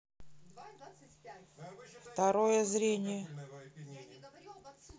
второе зрение